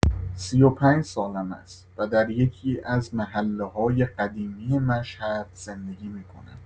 سی و پنج سالم است و در یکی‌از محله‌های قدیمی مشهد زندگی می‌کنم.